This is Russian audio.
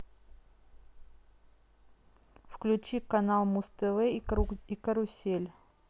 включи канал муз тв и карусель